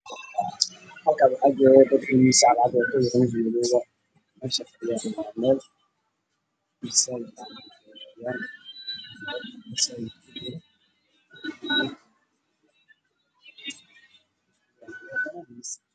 Waa masaajid waxaa fadhiya wiilal yaryar